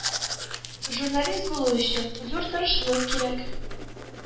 Журналист булу өчен зур тырышлык кирәк.